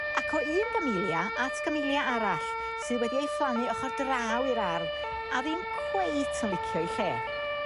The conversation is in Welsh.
Ac o un Gamellia at Gamellia arall sy wedi ei phlannu ochor draw i'r ardd a ddim cweit yn licio'i lle.